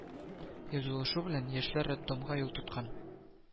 Язылышу белән, яшьләр роддомга юл тоткан